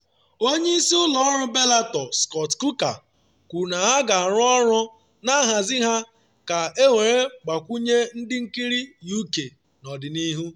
Onye isi ụlọ ọrụ Bellator, Scott Coker kwuru na ha ga-arụ ọrụ na nhazi ha ka ewere gbakwunye ndị nkiri UK n’ọdịnihu.